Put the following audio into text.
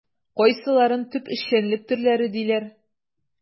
Кайсыларын төп эшчәнлек төрләре диләр?